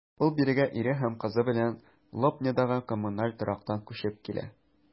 Ул бирегә ире һәм кызы белән Лобнядагы коммуналь торактан күчеп килә.